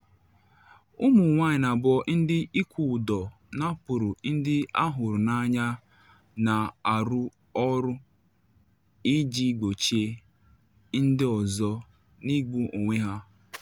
Ụmụ nwanyị abụọ ndị ịkwụ ụdọ napụrụ ndị ha hụrụ n’anya na arụ ọrụ iji gbochie ndị ọzọ n’igbu onwe ha.